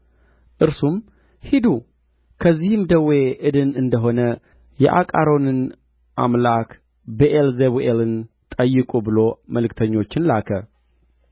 እርሱም ሂዱ ከዚህም ደዌ እድን እንደ ሆነ የአቃሮንን አምላክ ብዔልዜቡልን ጠይቁ ብሎ መልእክተኞችን ላከ